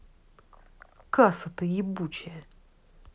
casa ты ебучая